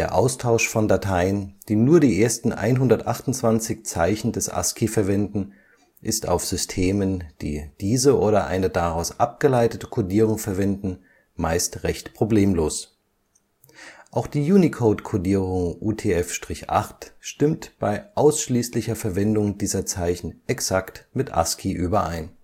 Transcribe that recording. Austausch von Dateien, die nur die ersten 128 Zeichen des ASCII verwenden, ist auf Systemen, die diese oder eine daraus abgeleitete Codierung verwenden, meist recht problemlos. Auch die Unicode-Codierung UTF-8 stimmt bei ausschließlicher Verwendung dieser Zeichen exakt mit ASCII überein